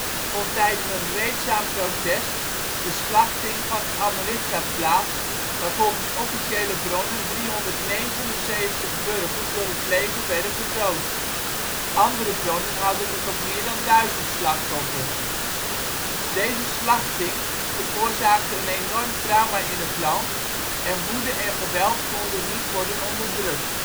tijdens een vreedzaam protest de Slachting van Amritsar plaats waar volgens officiële bronnen 379 burgers door het leger werden gedood. Andere bronnen houden het op meer dan 1000 slachtoffers. Deze slachting veroorzaakte een enorm trauma in het land en woede en geweld konden niet worden onderdrukt